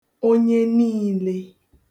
onye niìle